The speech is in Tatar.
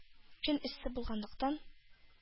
Көн эссе булганлыктан,